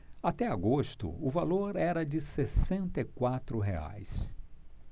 até agosto o valor era de sessenta e quatro reais